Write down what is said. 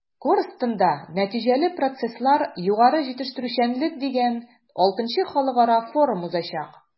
“корстон”да “нәтиҗәле процесслар-югары җитештерүчәнлек” дигән vι халыкара форум узачак.